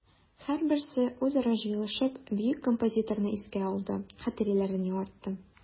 Һәрберсе үзара җыелышып бөек композиторны искә алды, хатирәләрен яңартты.